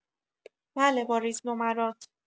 بله باریز نمرات